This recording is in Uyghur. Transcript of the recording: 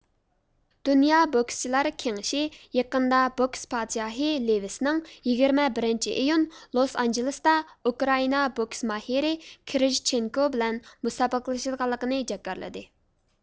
دۇنيا بوكسچىلار كېڭىشى يېقىندا بوكس پادىشاھى لېۋېسنىڭ يىگىرمە بىرىنچى ئىيۇن لوس ئانژېلىستا ئۇكرائىنا بوكس ماھىرى كىرىژچېنكو بىلەن مۇسابىقىلىشىدىغانلىقىنى جاكارلىدى